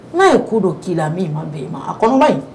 N'a ye ko dɔ k'i la min ma bɛ i ma a kɔnɔ